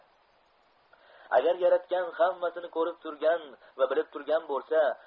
agar yaratgan hammasini ko'rib turgan va bilib turgan bo'lsa